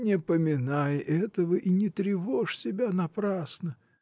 — Не поминай этого и не тревожь себя напрасно!